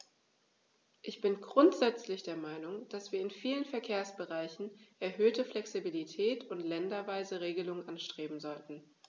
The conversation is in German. Ich bin grundsätzlich der Meinung, dass wir in vielen Verkehrsbereichen erhöhte Flexibilität und länderweise Regelungen anstreben sollten.